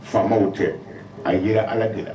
Faamaw tɛ a yera Ala de la